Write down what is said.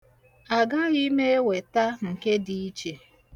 Agaghị m eweta nke dị iche.